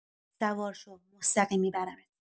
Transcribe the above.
سوار شو، مستقیم می‌برمت.